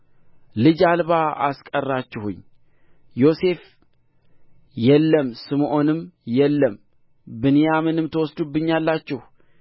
ልጅ አልባ አስቀራችሁኝ ዮሴፍ የለም ስምዖንም የለም ብንያምንም ትወስዱብኛላችሁ